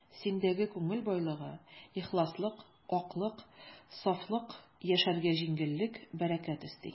Синдәге күңел байлыгы, ихласлык, аклык, сафлык яшәргә җиңеллек, бәрәкәт өсти.